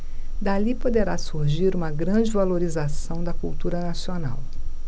dali poderá surgir uma grande valorização da cultura nacional